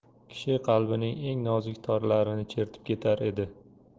kishi qalbining eng nozik torlarini chertib ketar edi